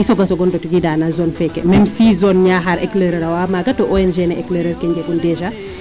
i soog o soog o ndokiida no zone fe ke meme si Zone Niakhar Eclaireur oxay maaga to ONG Eclaireur njeg ma déjas.